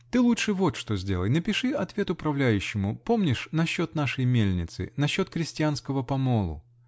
Ты лучше вот что сделай: напиши ответ управляющему -- помнишь, насчет нашей мельницы. насчет крестьянского помолу.